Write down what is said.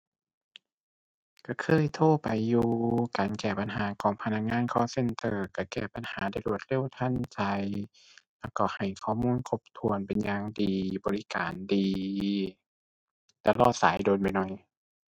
ก็เคยโทรไปอยู่ การแก้ปัญหาของพนักงาน call center ก็แก้ปัญหาได้รวดเร็วทันใจ แล้วก็ให้ข้อมูลครบถ้วนเป็นอย่างดี บริการดี แต่รอสายโดนไปหน่อย